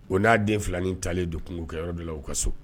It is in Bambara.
O n'a den filannin taalen don kungokɛyɔrɔ dɔ la u ka so